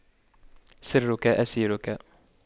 سرك أسيرك